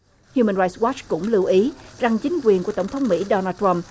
hiu mừn rai goắt cũng lưu ý rằng chính quyền của tổng thống mỹ đô nan troăm